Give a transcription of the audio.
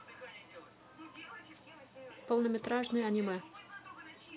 полнометражные аниме